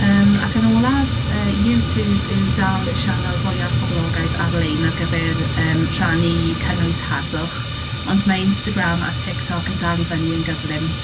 Yym ac yn olaf, yy, YouTube yw dal y sianel fwyaf poblogaidd ar-lein ar gyfer yym rhannu cynnwys harddwch. Ond mae Instagram a TikTok yn dal i fyny yn gyflym.